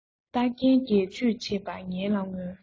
རྟ རྒན སྒལ བཅོས བྱེད པ ངན ལ མངོན